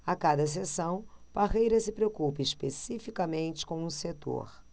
a cada sessão parreira se preocupa especificamente com um setor